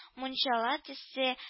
Мунчала төсе